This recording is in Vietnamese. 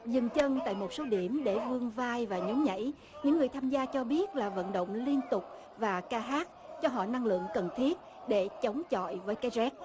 dừng chân tại một số điểm để vươn vai và nhún nhảy những người tham gia cho biết là vận động liên tục và ca hát cho họ năng lượng cần thiết để chống chọi với cái rét